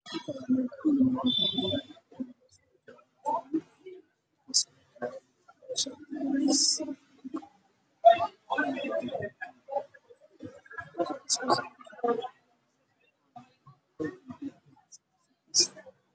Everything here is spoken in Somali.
Waa niman iyo naago oo.meel hool ah joogaan